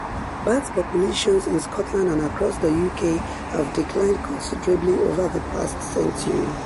Bat populations in Scotland and across the UK have declined considerably over the past century.